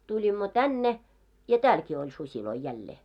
tulimme tänne ja täälläkin oli susia jälleen